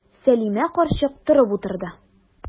Сәлимә карчык торып утырды.